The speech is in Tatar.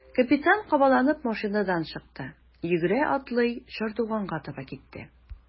Капитан кабаланып машинадан чыкты, йөгерә-атлый чардуганга таба китте.